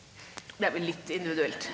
det er vel litt individuelt.